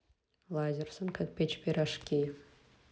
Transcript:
лазерсон как печь пирожки